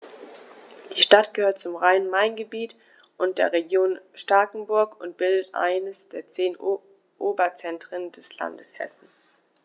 Die Stadt gehört zum Rhein-Main-Gebiet und der Region Starkenburg und bildet eines der zehn Oberzentren des Landes Hessen.